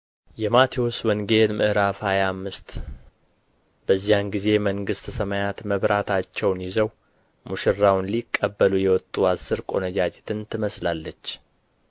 ﻿የማቴዎስ ወንጌል ምዕራፍ ሃያ አምስት በዚያን ጊዜ መንግሥተ ሰማያት መብራታቸውን ይዘው ሙሽራውን ሊቀበሉ የወጡ አሥር ቆነጃጅትን ትመስላለች